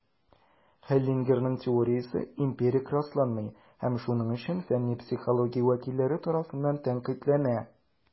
Хеллингерның теориясе эмпирик расланмый, һәм шуның өчен фәнни психология вәкилләре тарафыннан тәнкыйтьләнә.